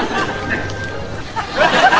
bà ơi nằm trên giường nè